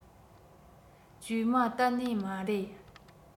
བཅོས མ གཏན ནས མ རེད